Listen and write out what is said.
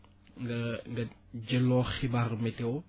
nga nga jëloo xibaaru météo